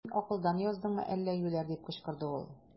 Син акылдан яздыңмы әллә, юләр! - дип кычкырды ул.